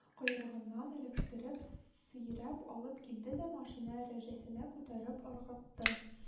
Койрыгыннан эләктереп, сөйрәп алып килде дә, машина әрҗәсенә күтәреп ыргытты